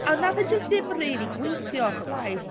A wnaeth e jyst ddim rili gweithio chwaith.